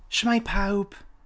Shwmae pawb!